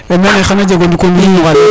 mene xana jeg o ndiko nduluñonga leran